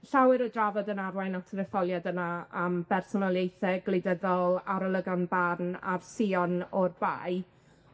llawer o drafod yn arwain at yr etholiad yna am bersonoliaethe gwleidyddol, arolygon barn a'r sîon o'r bae.